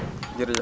jërëjëf